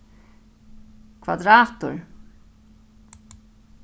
kvadratur